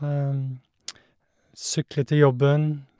Sykler til jobben.